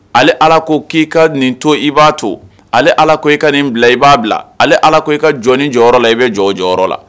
Ale ala ko k'i ka nin to i b'a to ale ala ko i ka nin bila i b'a bila ale ala ko i ka jɔ ni jɔyɔrɔ la i bɛ jɔ jɔyɔrɔ la